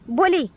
boli